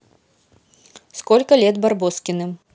сколько лет барбоскиным